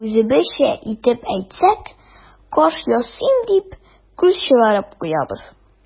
Үзебезчә итеп әйтсәк, каш ясыйм дип, күз чыгарып куябыз.